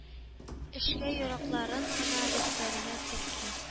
Эшкә яраклыларын гына дәфтәренә терки.